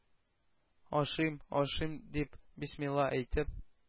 “ашыйм-ашыйм”, – дип, бисмилла әйтеп,